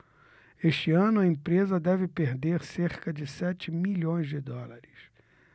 este ano a empresa deve perder cerca de sete milhões de dólares